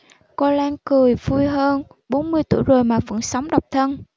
cô loan cười vui hơn bốn mươi tuổi rồi mà vẫn sống độc thân